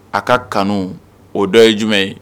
A ka kanu o dɔ ye jumɛn ye